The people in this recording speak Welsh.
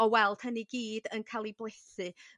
o weld hyn i gyd yn ca'l i blethu